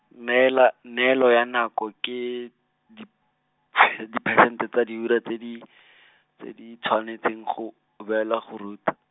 neela, neelo ya nako ke, diph-, diphesente tsa diura tse di , tse di tshwanetseng go, beelwa go ruta.